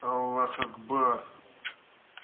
аллах акбар